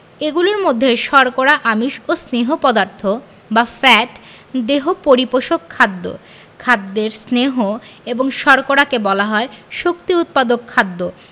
এগুলোর মধ্যে শর্করা আমিষ ও স্নেহ পদার্থ বা ফ্যাট দেহ পরিপোষক খাদ্য খাদ্যের স্নেহ এবং শর্করাকে বলা হয় শক্তি উৎপাদক খাদ্য